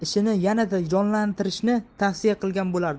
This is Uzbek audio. ishini yanada jonlantirishni tavsiya qilgan bo'lardim